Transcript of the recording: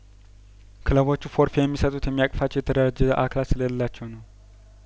ክለቦቹ ፎርፌ የሚሰጡት የሚያቅፋቸው የተደራጀ አካል ስለሌላቸው ነው